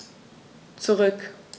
Zurück.